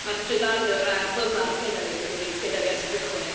Mae'r trydanwr a'r plymar 'sgenna fi maen nhw'r rhai 'sgenna fi ers y cychwyn.